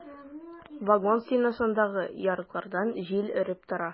Вагон стенасындагы ярыклардан җил өреп тора.